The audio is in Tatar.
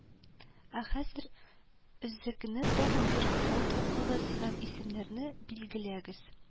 - ә хәзер өзекне тагын бер кат укыгыз һәм исемнәрне билгеләгез